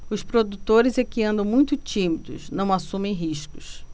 os produtores é que andam muito tímidos não assumem riscos